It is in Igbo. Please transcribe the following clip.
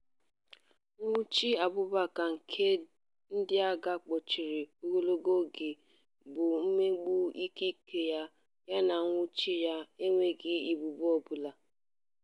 Nwụchi Abubacar nke ndịagha kpọchiri ogologo oge bụ mmegbu ikike ya yana nwụchi ya n'enweghị ebubo ọbụla.